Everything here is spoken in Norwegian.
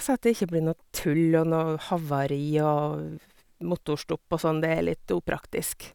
Så at det ikke blir noe tull og noe havari og motorstopp og sånn, det er litt upraktisk.